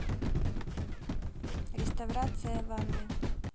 реставрация ванны